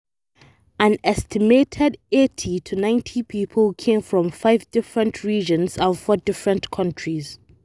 An estimated 80 to 90 people came from 5 different regions and 4 different countries.